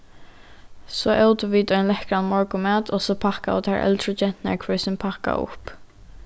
so ótu vit ein lekkran morgunmat og so pakkaðu tær eldru genturnar hvør sín pakka upp